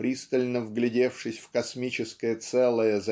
пристально вглядевшись в космическое целое